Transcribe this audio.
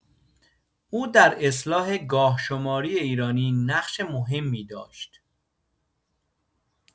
او در اصلاح گاه‌شماری ایرانی نقش مهمی داشت.